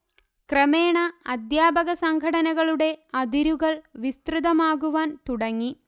ക്രമേണ അധ്യാപകസംഘടനകളുടെ അതിരുകൾ വിസ്തൃതമാകുവാൻ തുടങ്ങി